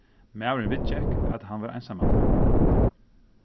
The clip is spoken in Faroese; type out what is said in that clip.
maðurin viðgekk at hann var einsamallur